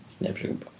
'Sneb isio gwbod.